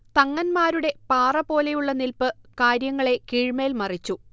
തങ്ങൻമാരുടെ പാറപോലെയുള്ള നിൽപ്പ് കാര്യങ്ങളെ കീഴ്മേൽ മറിച്ചു